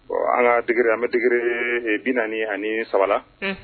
Bon an ŋa degré an be degré 43 la unh